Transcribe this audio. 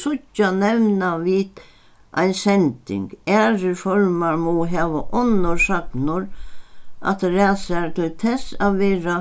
síggja nevna vit ein sending aðrir formar mugu hava onnur sagnorð afturat sær til tess at vera